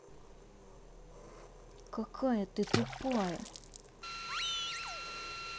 какая ты тупая